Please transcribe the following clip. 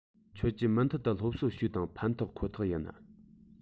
ཁྱོད ཀྱིས མུ མཐུད དུ སློབ གསོ བྱོས དང ཕན ཐོགས ཁོ ཐག ཡིན